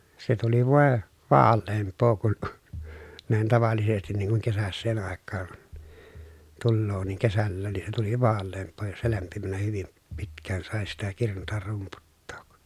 se tuli voi vaaleampaa kuin näin tavallisesti niin kuin kesäiseen aikaan tulee niin kesälläkin niin se tuli vaaleampaa jos se lämpimänä hyvin pitkään sai sitä kirnuta rumputtaa